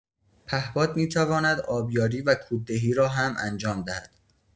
پهپاد می‌تواند آبیاری و کوددهی را هم انجام دهد.